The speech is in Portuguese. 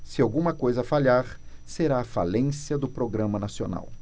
se alguma coisa falhar será a falência do programa nacional